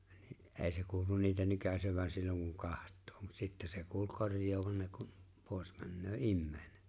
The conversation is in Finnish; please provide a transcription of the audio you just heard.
niin ei se kuulu niitä nykäisevän silloin kun katsoo mutta sitten se kuuli korjaavan ne kun pois menee ihminen